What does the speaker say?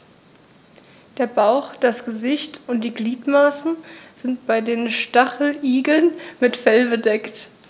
Der Bauch, das Gesicht und die Gliedmaßen sind bei den Stacheligeln mit Fell bedeckt.